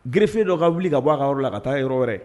Greffé dɔ ka wuli ka bɔ a ka yɔrɔ la ka taa yɔrɔ wɛrɛ